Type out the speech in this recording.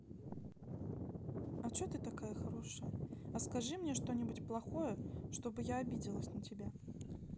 а че ты такая хорошая а скажи мне что нибудь плохое чтоб я обиделась на тебя